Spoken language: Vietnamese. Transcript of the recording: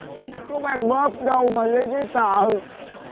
có mang bóp đâu mà lấy giấy tờ